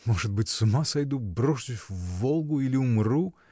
Может быть, с ума сойду, брошусь в Волгу или умру.